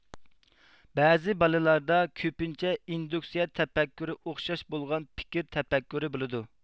بەزى بالىلاردا كۆپىنچە ئىندۇكسىيە تەپەككۇرى ئوخشاش بولغان پىكىر تەپەككۇرى بولىدۇ